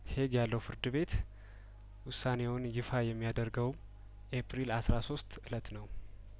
ሄግ ያለው ፍርድ ቤት ውሳኔውን ይፋ የሚያደርገው ኤፕሪል አስራ ሶስት እለት ነው